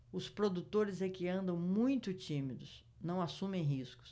os produtores é que andam muito tímidos não assumem riscos